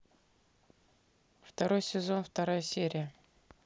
второй сезон вторая серия